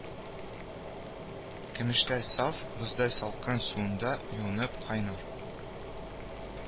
Көмештәй саф, боздай салкын суында юынып, кайнар